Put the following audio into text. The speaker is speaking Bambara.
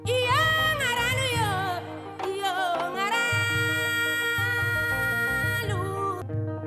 Miniyan y' magɛnin yo yo ma